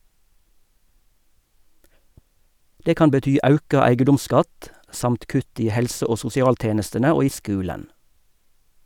Det kan bety auka eigedomsskatt, samt kutt i helse- og sosialtenestene og i skulen.